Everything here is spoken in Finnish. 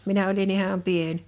minä olin ihan pieni